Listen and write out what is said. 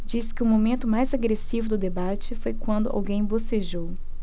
diz que o momento mais agressivo do debate foi quando alguém bocejou